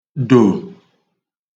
dò